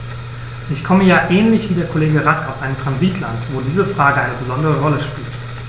Ich komme ja ähnlich wie der Kollege Rack aus einem Transitland, wo diese Frage eine besondere Rolle spielt.